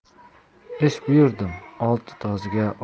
ish buyurdim olti tozga